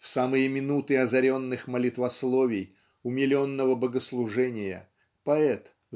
В самые минуты озаренных молитвословий умиленного богослужения поэт